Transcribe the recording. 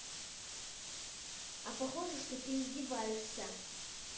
а похоже что ты издеваешься